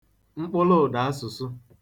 mkpụlụụ̀dàsụ̀sụ